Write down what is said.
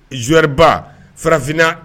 Zuoriba farafinna